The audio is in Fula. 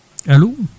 alo